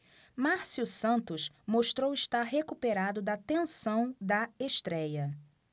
márcio santos mostrou estar recuperado da tensão da estréia